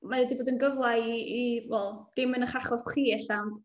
Mae o 'di bod yn gyfle i i... wel, dim yn eich achos chi ella, ond...